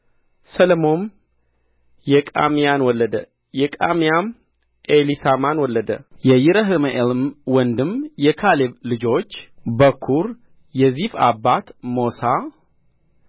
ሰሎምም የቃምያን ወለደ የቃምያም ኤሊሳማን ወለደ የይረሕምኤልም ወንድም የካሌብ ልጆች በኵሩ የዚፍ አባት ሞሳ